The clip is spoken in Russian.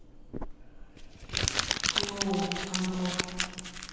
клоун оно